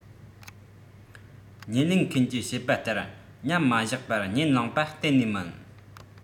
བརྙན ལེན མཁན གྱིས བཤད པ ལྟར མཉམ མ བཞག པར བརྙན བླངས པ གཏན ནས མིན